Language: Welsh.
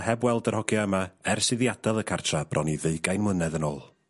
...heb weld yr hogia yma ers iddi adal y cartra bron i ddeugain mlynedd yn ôl.